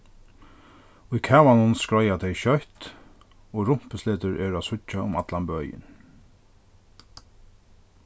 í kavanum skreiða tey skjótt og rumpusletur eru at síggja um allan bøin